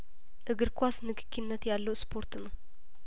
እግር ኳስንክኪነት ያለው ስፖርት ነው